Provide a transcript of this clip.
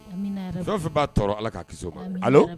Fɛnfɛ b'a tɔɔrɔ ala ka ki ma